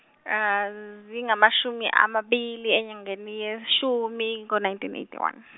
zingamashumi amabili, enyangeni yeshumi, ngo- nineteen eighty one.